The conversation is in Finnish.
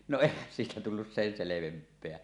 no eihän siitä tullut sen selvempää